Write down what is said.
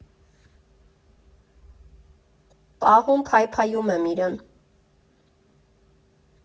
Պահում, փայփայում եմ իրան։